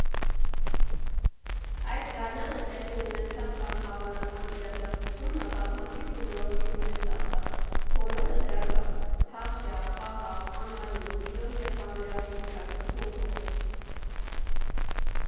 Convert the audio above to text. Այս գարնանը տեղի ունեցած անհավանական իրադարձությունը բազմաթիվ բնորոշումներ ստացավ (բոլորը դրական)՝ թավշյա, խաղաղ, անարյուն, սիրո և համերաշխության, դուխով։